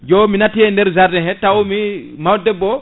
jo mi natti e nder jardin he tawmi mawɗo debbo o